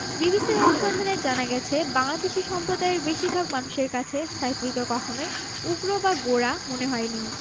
বিবিসির অনুসন্ধানে জানা গেছে বাংলাদেশি সম্প্রদায়ের বেশির ভাগ মানুষের কাছে সাইফুলকে কখনোই উগ্র বা গোঁড়া মনে হয়নি